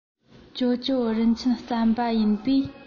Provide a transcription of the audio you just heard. ཇོ ཇོ རིན ཆེན རྩམ པ ཡིན པས